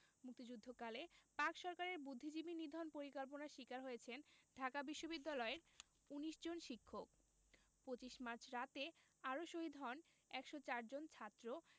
মুক্তিযুদ্ধকালে পাক সরকারের বুদ্ধিজীবী নিধন পরিকল্পনার শিকার হয়েছেন ঢাকা বিশ্ববিদ্যাপলয়ের ১৯ জন শিক্ষক ২৫ মার্চ রাতে আরো শহীদ হন ১০৪ জন ছাত্র